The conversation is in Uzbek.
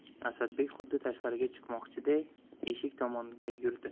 asadbek xuddi tashqariga chiqmoqchiday eshik tomon yurdi